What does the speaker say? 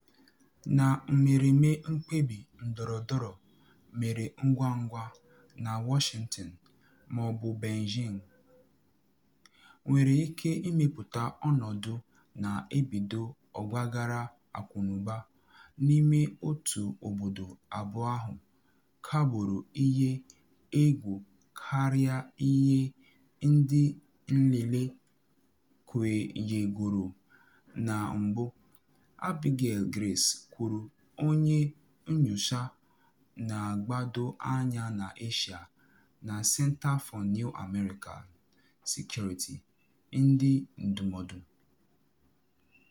“Na mmereme mkpebi ndọrọndọrọ mere ngwangwa na Washington ma ọ bụ Beijing nwere ike ịmepụta ọnọdụ na ebido ọgbaghara akụnụba n’ime otu obodo abụọ ahụ ka bụrụ ihe egwu karịa ihe ndị nlele kwenyegoro na mbụ,” Abigail Grace kwuru, onye nyocha na agbado anya na Asia na Center for New American Security, ndị ndụmọdụ.